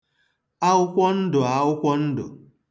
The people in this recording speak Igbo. aụkwọndụ̀ aụkwọndụ̀